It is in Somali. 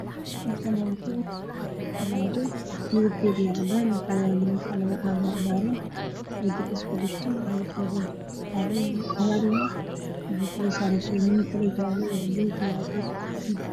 Waa caagado midabkoodii yahay cagaar waxaa ku jira saliid